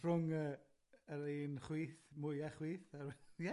Rhwng yy yr un chwith, mwya chwith, ar y... Ie.